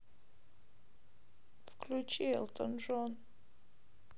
включи элтон джон